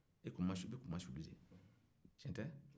e kunmasu e kunmasuli tiɲɛ tɛ